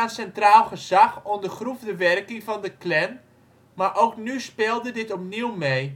centraal gezag ondergroef de werking van de clan maar ook nu speelde dit opnieuw mee